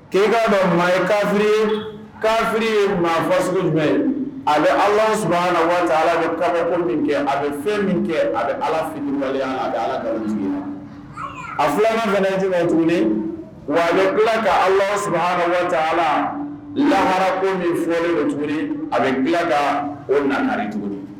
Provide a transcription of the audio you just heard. Kea dɔn maa ye kaffi kafi ye maa fɔ sugu jumɛn a bɛ ala su ala bɛ min kɛ a bɛ fɛn min kɛ a bɛ alafin a bɛ ala a filanan fanati tuguni wa a bɛ ka ala su ala lahara ko ni fɔlen o tuguni a bɛ tila ka o nagare tuguni